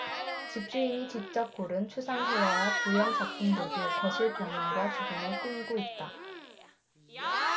집주인이 직접 고른 추상 회화와 조형 작품들도 거실 벽면과 주변을 꾸미고 있다